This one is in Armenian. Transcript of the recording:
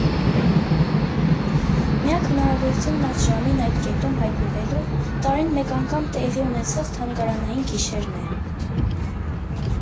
Միակ հնարավորությունն այդ ժամին այդ կետում հայտնվելու՝ տարին մեկ անգամ տեղի ունեցող Թանգարանային գիշերն է։